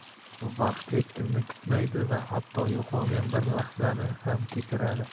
vaqt hech kimni kutmaydi va hatto yo'qolgan bir lahzani ham kechiradi